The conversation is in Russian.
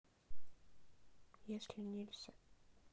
если нильса